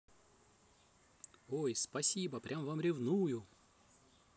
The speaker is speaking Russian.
ой спасибо прям вам ревную